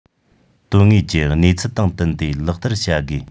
དོན དངོས ཀྱི གནས ཚུལ དང བསྟུན ཏེ ལག བསྟར བྱ དགོས